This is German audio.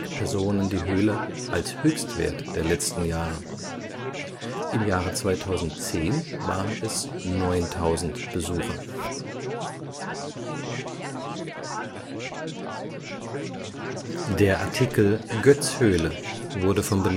Personen die Höhle als Höchstwert der letzten Jahre. Im Jahre 2010 waren es 9.000 Besucher